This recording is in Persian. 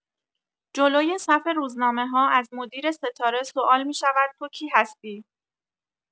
جلوی صف روزنامه‌ها از مدیر ستاره سوال می‌شود تو کی هستی؟